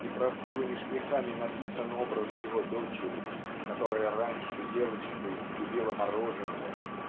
и правдивыми штрихами написан образ его дочери которая раньше девочкой любила мороженое